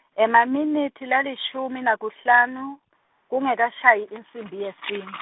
Emaminitsi lalishumi nesihlanu, kungekashayi insimbi yesine.